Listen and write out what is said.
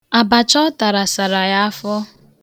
Abacha ọ tara sara ya afọ.